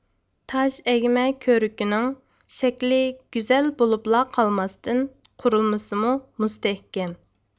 تاش ئەگمە كۆۋرۈكنىڭ شەكلى گۈزەل بولۇپلا قالماستىن قۇرۇلمىسىمۇ مۇستەھكەم